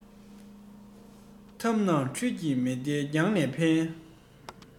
ཐབས རྣམས འཕྲུལ གྱི མེ མདའ རྒྱང ནས འཕེན